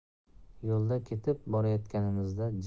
yo'lda ketib borayotganimizda jamila